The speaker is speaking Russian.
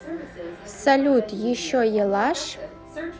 салют еще елаш